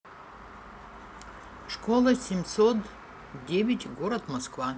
школа семьсот девять город москва